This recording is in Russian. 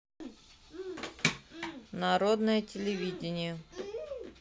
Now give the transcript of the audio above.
народное телевидение